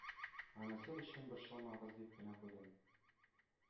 Анысы өчен борчылмагыз, — дип кенә куйдым.